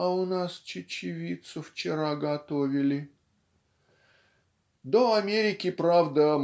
"А у нас чечевицу вчера готовили". До Америки правда